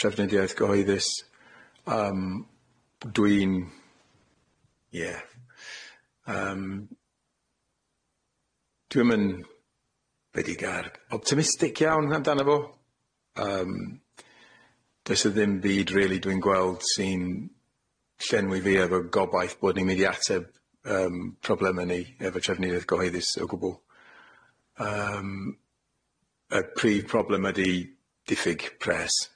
trafnidiaeth gyhoeddus yym dwi'n, ie, yym, dwi'm yn, be 'di'r gair, optimistic iawn amdano fo yym does 'na ddim byd rili dwi'n gweld sy'n llenwi fi efo gobaith bod ni'n mynd i ateb yym problemau ni efo trafnidiaeth gyhoeddus o gwbwl, yym, y prif problem ydi diffyg pres.